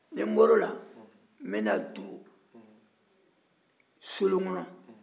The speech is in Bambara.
ni n bɔr'o la n bɛna don solon kɔnɔ